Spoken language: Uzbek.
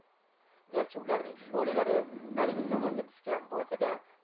garchi ularning shu'lalari narigi tomonga tushgan bo'lsa da